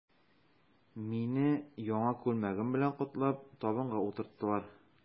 Мине, яңа күлмәгем белән котлап, табынга утырттылар.